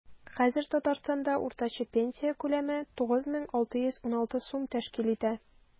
Хәзер Татарстанда уртача пенсия күләме 9616 сум тәшкил итә.